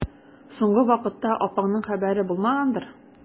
Соңгы вакытта апаңның хәбәре булмагандыр?